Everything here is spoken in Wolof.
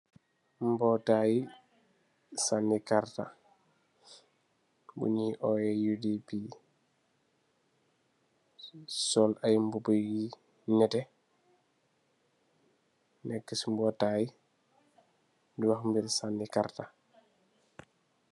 Mbotaay sa ni karta bunu oyeah UDP, sol ay mbuba yu nètè nekk ci mbotaay di wah mbirr sani karta.